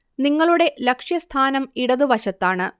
നിങ്ങളുടെ ലക്ഷ്യസ്ഥാനം ഇടതുവശത്താണ്